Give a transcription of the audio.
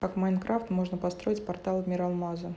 как в minecraft можно построить портал в мир алмаза